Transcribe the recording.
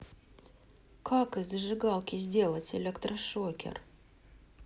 как из зажигалки сделать электрошокер